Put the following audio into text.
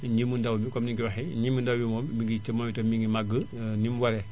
nji mu ndaw mi comme ni nga ko waxee nji mu ndaw mi moom mi ngi moom itam mi ngi màgg ni mu waree